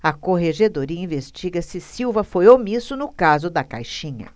a corregedoria investiga se silva foi omisso no caso da caixinha